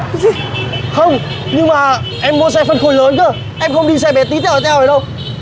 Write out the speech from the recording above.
cái gì không nhưng mà em mua xe phân khối lớn cơ em không đi xe bé tí tẹo teo này đâu